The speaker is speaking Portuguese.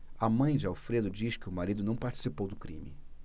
a mãe de alfredo diz que o marido não participou do crime